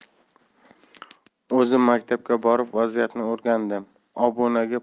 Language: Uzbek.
o'zim maktabga borib vaziyatni o'rgandim obunaga